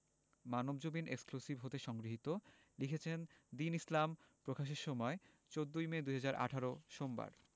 Manabzamin exclusive হতে সংগৃহীত লিখেছেনঃ দীন ইসলাম প্রকাশের সময় ১৪ মে ২০১৮ সোমবার